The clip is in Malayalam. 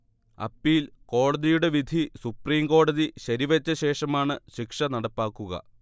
അപ്പീൽ കോടതിയുടെ വിധി സുപ്രീംകോടതി ശരിവെച്ച ശേഷമാണ് ശിക്ഷ നടപ്പാക്കുക